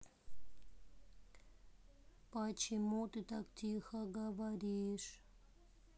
почему ты так тихо говоришь